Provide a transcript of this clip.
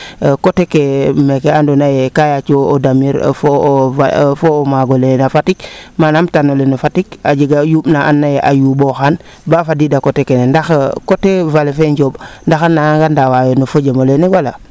coté ke meeke ando naye kaa yaaco damir fo'o maago leeke na Fatick manam tanole no Fatick a jega yumb na ando naye a yumbooxaan baa fadida coté kene ndax coté vallée fee Ndiomb ndax a nanga ndaawayo no fojemo leene wala